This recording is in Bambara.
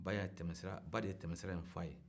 ba y'a tɛmɛ sira ba se ye tɛme sira in f'a ye